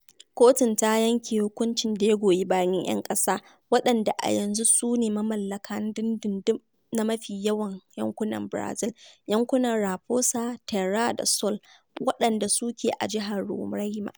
Kotun ta yanke hukuncin da ya goyi bayan 'yan ƙasa, waɗanda a yanzu su ne mamallaka na dindindin na mafi yawan yankunan Barazil - yankunan Raposa Terra do Sol, waɗanda suke a jihar Roraima.